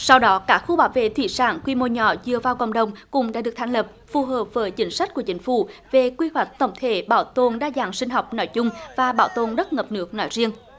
sau đó các khu bảo vệ thủy sản quy mô nhỏ dựa vào cộng đồng cũng đã được thành lập phù hợp với chính sách của chính phủ về quy hoạch tổng thể bảo tồn đa dạng sinh học nói chung và bảo tồn đất ngập nước nói riêng